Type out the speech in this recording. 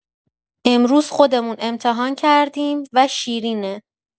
امروز خودمون امتحان کردیم و شیرینه.